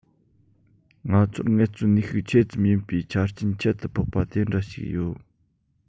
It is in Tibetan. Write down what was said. ང ཚོར ངལ རྩོལ ནུས ཤུགས ཆེ ཙམ ཡིན པའི ཆ རྐྱེན ཁྱད དུ འཕགས པ དེ འདྲ ཞིག ཡོད